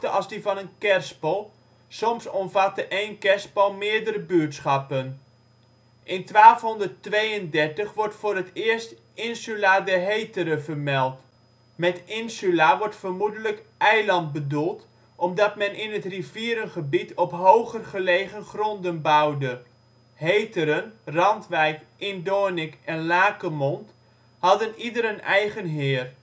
als die van een kerspel, soms omvatte één kerspel meerdere buurtschappen. In 1232 wordt voor het eerst “Insula de Hetere” vermeld. Met insula wordt vermoedelijk “eiland” bedoeld, omdat men in het rivierengebied op hoger gelegen gronden bouwde. Heteren, Randwijk, Indoornik en Lakemond hadden ieder een eigen heer